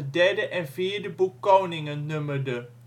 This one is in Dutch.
derde en vierde boek Koningen nummerde